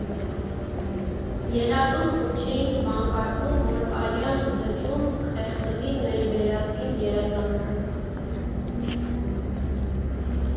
Երազում ու չէինք վանկարկում, որ արյան լճում չխեղդվի մեր վերածին երազանքը։